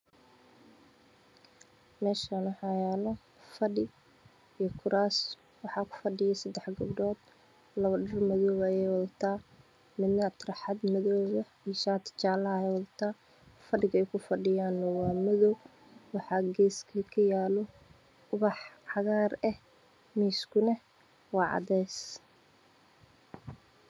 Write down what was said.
Me Shan waxa yalo fa dhi iya ku raas waxa ku fa dhi yo waxa ku fa dhiya sedax geb dhood laba dhar madow ayey wadata mid ne turaxad madow eh shati jala ayey wadataa fa dhiga ey ku fa dhiyane wa madow waxa gees ka kayaalo ubax cagaar eh miis kune waa cades